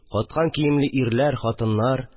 Каткан киемле ирләр, хатыннар